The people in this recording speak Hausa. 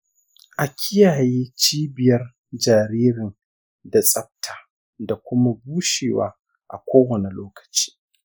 a kiyaye cibiyar jaririn da tsafta da kuma bushewa a kowane lokaci